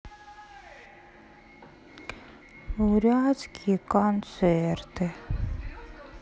бурятские концерты